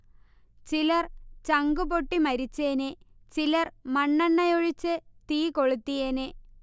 ചിലർ ചങ്കുപൊട്ടി മരിച്ചേനെ, ചിലർ മണ്ണെണ്ണയൈാഴിച്ച് തീ കൊളുത്തിയേനെ